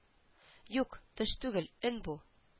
Юк төш түгел өн бу